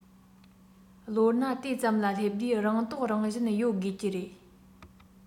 ལོ ན དེ ཙམ ལ སླེབས དུས རང རྟོགས རང བཞིན ཡོད དགོས ཀྱི རེད